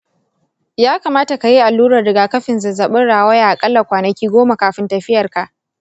ya kamata kayi allurar rigakafin zazzabin rawaya akalla kwanaki goma kafin tafiyar ka.